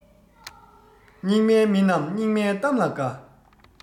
སྙིགས མའི མི རྣམས སྙིགས མའི གཏམ ལ དགའ